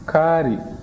kaari